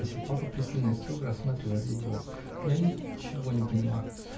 -- спросил папа, пристально и строго рассматривая его. -- Я ничего не понимаю.